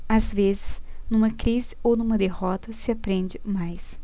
às vezes numa crise ou numa derrota se aprende mais